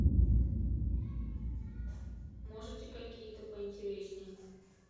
можете какие то поинтересней